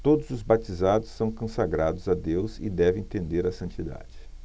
todos os batizados são consagrados a deus e devem tender à santidade